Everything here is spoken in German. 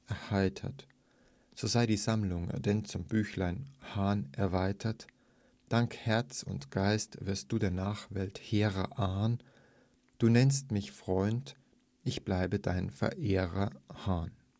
erheitert. So sei die Sammlung denn zum Büchlein, Hahn, erweitert. – Dank Herz und Geist wirst Du der Nachwelt hehrer Ahn. Du nennst mich Freund. Ich bleibe Dein Verehrer, Hahn